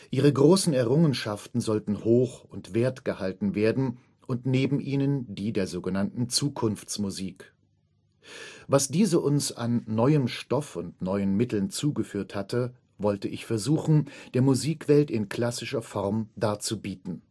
Ihre großen Errungenschaften sollten hoch und wert gehalten werden und neben ihnen die der sogenannten Zukunftsmusik. Was diese uns an neuem Stoff und neuen Mitteln zugeführt hatte, wollte ich versuchen, der Musikwelt in klassischer Form darzubieten